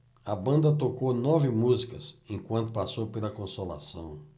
a banda tocou nove músicas enquanto passou pela consolação